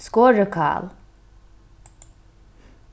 skorið kál